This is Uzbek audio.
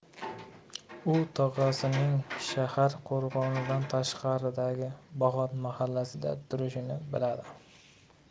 u tog'asining shahar qo'rg'onidan tashqaridagi bog'ot mahallasida turishini biladi